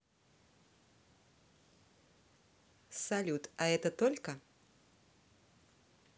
салют а это только